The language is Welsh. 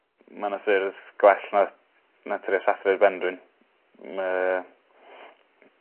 Ma' 'na ffyrdd gwell na na trio sathru ar ben rhywun. Ma'